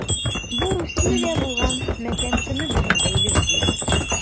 Бу Русиядә булган матәм көне белән бәйле дип беләм...